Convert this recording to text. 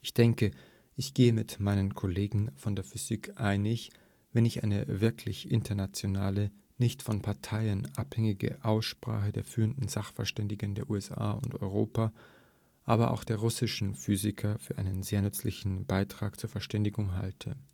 denke, ich gehe mit meinen Kollegen von der Physik einig, wenn ich eine wirklich internationale, nicht von Parteien abhängige Aussprache der führenden Sachverständigen der USA und Europa, aber auch der russischen Physiker für einen sehr nützlichen Beitrag zur Verständigung halte